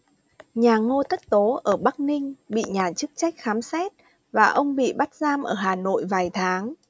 nhà ngô tất tố ở bắc ninh bị nhà chức trách khám xét và ông bị bắt giam ở hà nội vài tháng